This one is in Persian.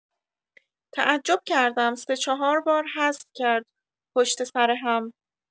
تعجب کردم سه چهار بار حذف کرد پشت‌سر هم